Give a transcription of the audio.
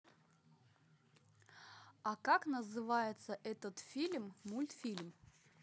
а как называется этот фильм мультфильм